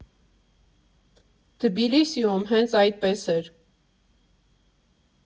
Թբիլիսիում հենց այդպես էր։